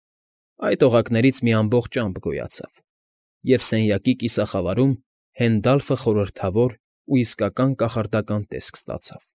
Այդ օղակներից մի ամբողջ ամպ գոյացավ, և սենյակի կիսախավարում Հենդալֆը խորհրդավոր ու իսկական կախարդական տեսք ստացավ։